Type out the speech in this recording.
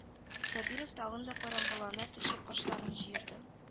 Зәбиров тагын да караңгылана төшеп кашларын җыерды